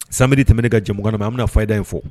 Sari tɛmɛnɛna ka jɛkan na ma an bɛ bɛna fɔ' da ye fɔ